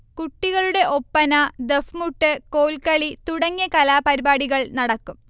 കുട്ടികളുടെ ഒപ്പന, ദഫ്മുട്ട്, കോൽകളി തുടങ്ങിയ കലാപരിപാടികൾ നടക്കും